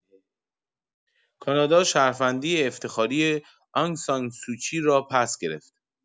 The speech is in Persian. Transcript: کانادا شهروندی افتخاری آنگ سان سوچی را پس‌گرفت.